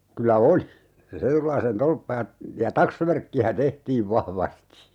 kyllä oli se Retulaisen torppa ja ja taksvärkkiä tehtiin vahvasti